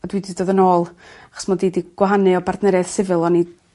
a dwi 'di dod yn ôl achos mod i 'di gwahanu o bartneriaeth sifil o'n i